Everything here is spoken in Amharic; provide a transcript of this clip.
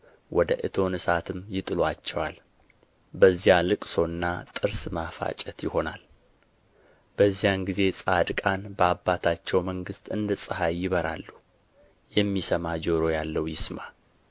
ወደ እቶነ እሳትም ይጥሉአቸዋል በዚያ ልቅሶና ጥርስ ማፋጨት ይሆናል በዚያን ጊዜ ጻድቃን በአባታቸው መንግሥት እንደ ፀሐይ ይበራሉ የሚሰማ ጆሮ ያለው ይስማ